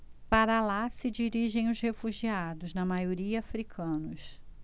para lá se dirigem os refugiados na maioria hútus